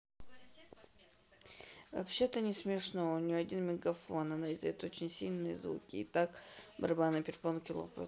вообще то не смешно у нее один мегафон она издает очень сильно звуки и так барабанные перепонки лопаются